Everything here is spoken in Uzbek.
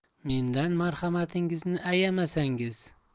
mendan marhamatingizni ayamasangiz